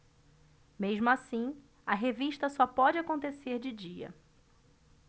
mesmo assim a revista só pode acontecer de dia